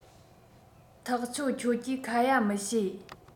ཐག ཆོད ཁྱོད ཀྱིས ཁ ཡ མི བྱེད